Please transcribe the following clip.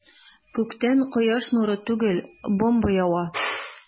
Күктән кояш нуры түгел, бомба ява.